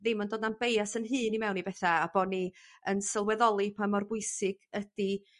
ddim yn dod a'n bias 'yn hun i mewn i betha a bo' ni yn sylweddoli pa mor bwysig ydi